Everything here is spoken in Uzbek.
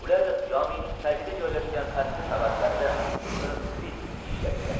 ular jomening tagida joylashgan pastki qavatlarida buni kript deyishar ekan